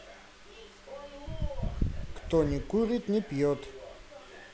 кто не курит не пьет